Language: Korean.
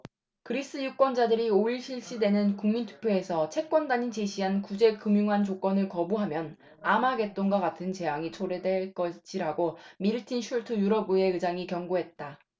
그리스 유권자들이 오 일 실시되는 국민투표에서 채권단이 제시한 구제금융안 조건을 거부하면 아마겟돈과 같은 재앙이 초래될 것이라고 마르틴 슐츠 유럽의회 의장이 경고했다